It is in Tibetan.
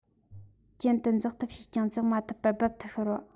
གྱེན དུ འཛེག ཐབས བྱས ཀྱང འཛེག མ ཐུབ པར རྦབ ཏུ ཤོར བ